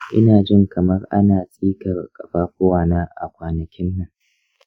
ina jin kamar ana tsikar ƙafafuna a kwanakin nan.